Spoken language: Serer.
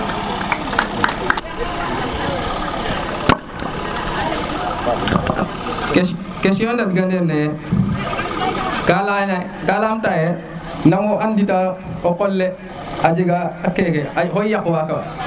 question ɗaɗ kander ne yo ka leyaye ka lamta ye namo andita o qol le a jega o keke a jega oxay yak wa quoi